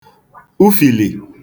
ufìlì